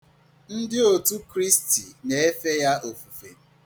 Ndị otu Kristi na-efe ya ofufe.